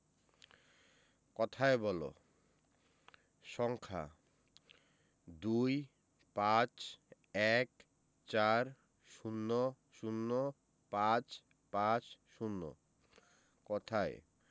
কথায় বল সংখ্যা ২৫ ১৪ ০০ ৫৫০ কথায়